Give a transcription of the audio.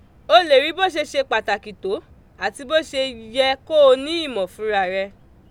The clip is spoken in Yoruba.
O lè rí bó ṣe ṣe ṣe pàtàkì tó àti bó ṣe yẹ kó o ní ìmọ̀ fúnra rẹ.